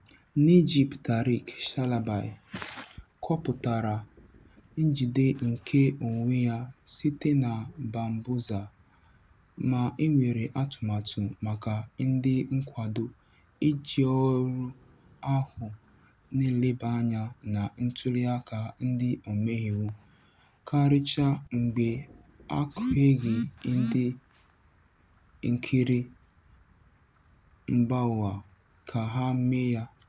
N'Egypt Tarek Shalaby kọpụtara njide nke onwe ya site na Bambuser, ma e nwere atụmatụ maka ndị nkwado iji ọrụ ahụ na-eleba anya na ntuliaka ndị omeiwu karịchaa mgbe a n'ekweghị ndị nkiri mbaụwa ka ha mee ya.